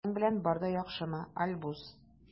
Синең белән бар да яхшымы, Альбус?